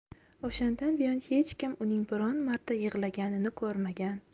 o'shandan buyon hech kim uning biron marta yig'laganini ko'rmagan